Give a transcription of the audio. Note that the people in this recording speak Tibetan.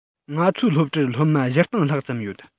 ང ཚོའི སློབ གྲྭར སློབ མ ༤༠༠༠ ལྷག ཙམ ཡོད